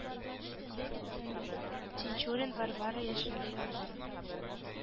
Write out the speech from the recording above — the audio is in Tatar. Тинчурин варвара яшенле яңгыр